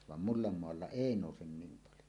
vaan multamaalla ei nouse niin paljon